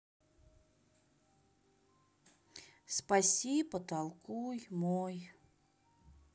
спаси потолкуй мой